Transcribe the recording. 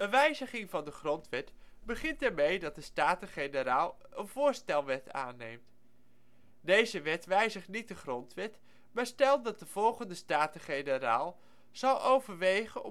wijziging van de Grondwet begint ermee dat de Staten-Generaal een voorstelwet aanneemt. Deze wet wijzigt niet de grondwet, maar stelt dat de volgende Staten-Generaal zal overwegen